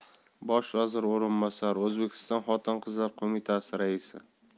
bosh vazir o'rinbosari o'zbekiston xotin qizlar qo'mitasi raisi